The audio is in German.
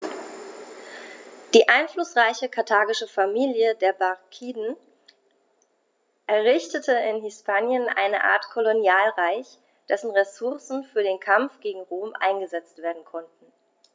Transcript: Die einflussreiche karthagische Familie der Barkiden errichtete in Hispanien eine Art Kolonialreich, dessen Ressourcen für den Kampf gegen Rom eingesetzt werden konnten.